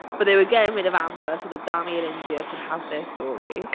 But they were getting rid of Amber so that Dami and India could have their story.